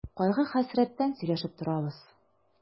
Кайгы-хәсрәттән сөйләшеп торабыз.